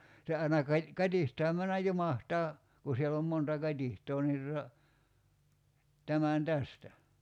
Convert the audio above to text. se aina - katiskaan mennä jumahtaa kun siellä on monta katiskaa niin tuota tämän tästä